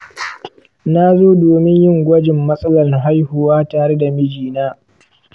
na zo domin yin gwajin matsalar haihuwa tare da mijina.